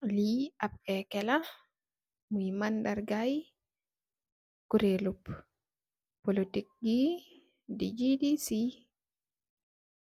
Lii ab ekke muy mandargai kureelu b,polotic bi di "GDC".